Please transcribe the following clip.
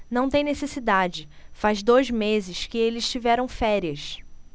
não tem necessidade faz dois meses que eles tiveram férias